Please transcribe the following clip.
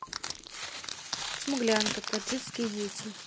смуглянка таджикские дети